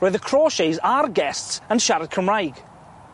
Roedd y Crauchetes a'r Guests yn siarad Cymraeg.